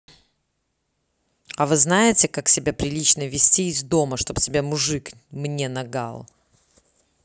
а вы знаете как себя прилично вести из дома чтоб тебя мужик мне nagal